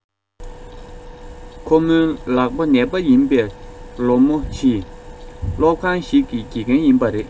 ཁོ མོ ལག པ ནད པ ཡིན པས ཁོ མོ བྱིས སློང ཁང ཞིག གི དགེ རྒན ཡིན པ རེད